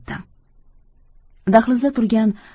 dahlizda turgan cho'yan